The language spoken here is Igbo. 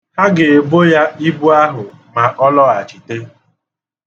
Ha ga-ebo ya ibu ahụ ma ọ lọghachite.